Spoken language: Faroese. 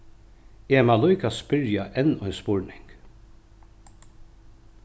eg má líka spyrja enn ein spurning